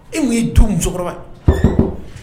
E mun ye du musokɔrɔba